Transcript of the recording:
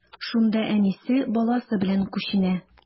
Шунда әнисе, баласы белән күченә.